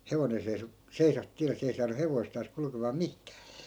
hevonen seisoi seisahti tielle se ei saanut hevostaan kulkemaan mihinkään